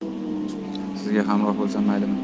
sizga hamroh bo'lsam maylimi